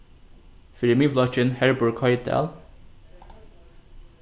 fyri miðflokkin herborg hoydal